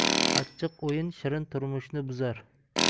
achchiq o'yin shirin turmushni buzar